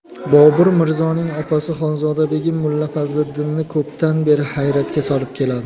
bobur mirzoning opasi xonzoda begim mulla fazliddinni ko'pdan beri hayratga solib keladi